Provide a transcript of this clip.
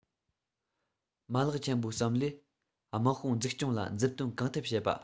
མ ལག ཆེན པོའི བསམ བློས དམག དཔུང འཛུགས སྐྱོང ལ མཛུབ སྟོན གང ཐུབ བྱེད པ